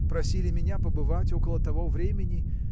Просили меня побывать около того времени.